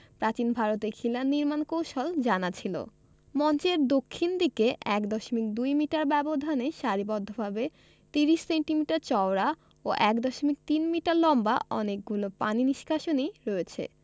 প্রাচীন ভারতে খিলান নির্মাণ কৌশল জানা ছিল মঞ্চের দক্ষিণ দিকে ১ দশমিক ২ মিটার ব্যবধানে সারিবদ্ধভাবে ৩০ সেন্টিমিটার চওড়া ও ১ দশমিক ৩ মিটার লম্বা অনেকগুলো পানি নিষ্কাশনী রয়েছে